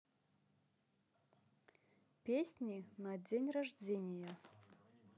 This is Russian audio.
песни на день рождения